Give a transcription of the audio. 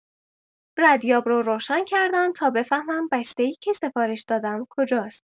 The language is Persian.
ردیاب رو روشن کردم تا بفهمم بسته‌ای که سفارش دادم کجاست.